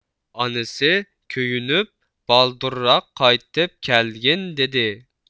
ئانىسى كۆيۈنۈپ بالدۇرراق قايتىپ كەلگىن دېدى